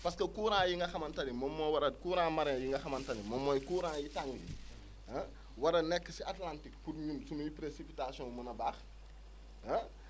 parce que courant yi nga xamante ni moom moo war a courant marrains yi nga xamante ne moom mooy courants yi tàng yi ah war a nekk si Atlantique pour ñun suñu précipitation mun a baax ah